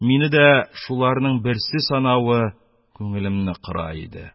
Мине дә шуларның берсе санавы күңелемне кыра иде.